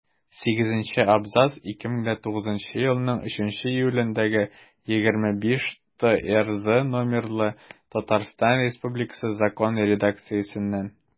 Сигезенче абзац 2009 елның 3 июлендәге 25-ТРЗ номерлы Татарстан Республикасы Законы редакциясендә.